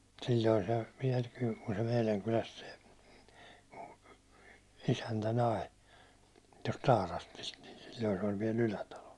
silloin se vielä kyllä kun se meidän kylästä se isäntä nai tuosta Taarastista niin silloin se oli vielä Ylätalo